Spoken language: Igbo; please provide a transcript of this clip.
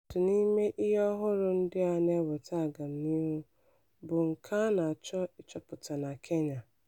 Otu n'ime ihe ọhụrụ ndị a na-eweta agamnihu bụ nke a na-achọ ịchụpụta na Kenya.